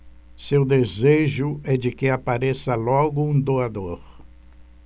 seu desejo é de que apareça logo um doador